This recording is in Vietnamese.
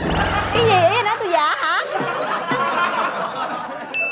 cái gì ý anh nói tui già á hả